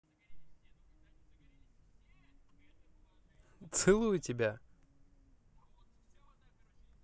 целую тебя